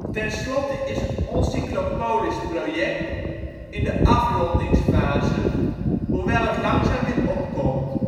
Tenslotte is het " Oncyclopolis Project " in de afrondingsfase, hoewel het langzaam weer opkomt